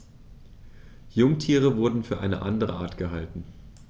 Jungtiere wurden für eine andere Art gehalten.